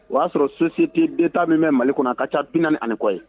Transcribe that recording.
O y'a sɔrɔ sosi tɛ bereta min bɛ mali kɔnɔ a ka ca bi naani anikɔ ye